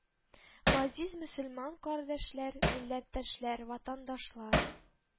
Газиз мөселмән кардәшләр, милләттәшләр, ватандашлар